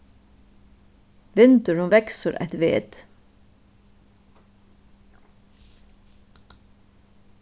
vindurin veksur eitt vet